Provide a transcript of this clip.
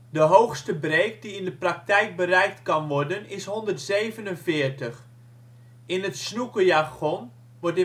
De hoogste break die in de praktijk bereikt kan worden, is 147. In het snookerjargon wordt